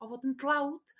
o fod yn dlawd.